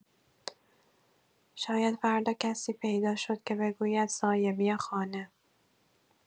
شاید فردا کسی پیدا شد که بگوید: سایه، بیا خانه.